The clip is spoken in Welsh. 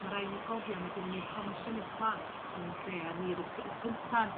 ma rhai' ni gofio ma ginon ni'r comisiynydd plant mewn lle a ni odd y c- cynta'n